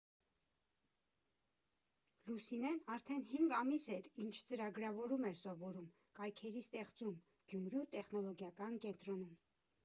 Լուսինեն արդեն հինգ ամիս էր, ինչ ծրագրավորում էր սովորում՝ կայքերի ստեղծում, Գյումրու տեխնոլոգիական կենտրոնում։